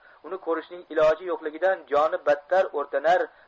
uni ko'rishning iloji yo'qligidan joni badtar o'rtanar